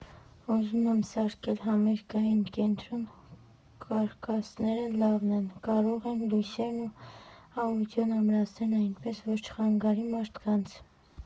Ուզում եմ սարքել համերգային կենտրոն, կարկասները լավն են, կարող ենք լույսերն ու աուդիոն ամրացնել այնպես, որ չխանգարի մարդկանց։